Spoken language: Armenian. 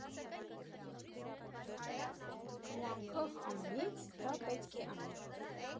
Ու անկախ ամենից դա պետք է անել։